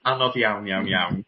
Anodd iawn iawn iawn.